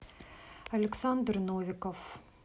александр новиков